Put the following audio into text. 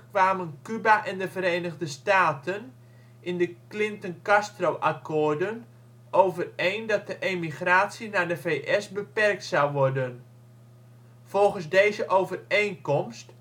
kwamen Cuba en de Verenigde Staten in de Clinton-Castro akkoorden overeen dat de emigratie naar de VS beperkt zou worden. Volgens deze overeenkomst